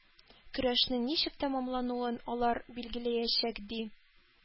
Көрәшнең ничек тәмамлануын алар билгеләячәк, ди.